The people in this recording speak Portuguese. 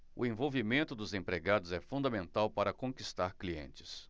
o envolvimento dos empregados é fundamental para conquistar clientes